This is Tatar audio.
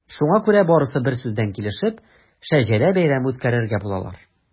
Шуңа күрә барысы берсүздән килешеп “Шәҗәрә бәйрәме” үткәрергә булалар.